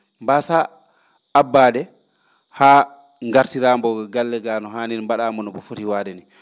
mbaasaa abbaade haa ngartiraa mbo galle gaa no haaniri ni mba?aa mbo no mbo fori waade ni